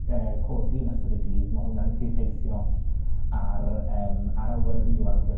yy codi yn ystod y dydd, ma' hwnna'n 'llu effeithio ar yym, ar awyru o amgylch